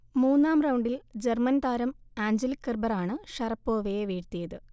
മൂന്നാം റൗണ്ടിൽ ജർമൻ താരം ആഞ്ചലിക് കെർബറാണ് ഷറപ്പോവയെ വീഴ്ത്തിയത്